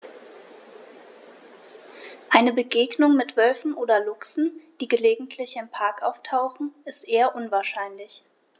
Eine Begegnung mit Wölfen oder Luchsen, die gelegentlich im Park auftauchen, ist eher unwahrscheinlich.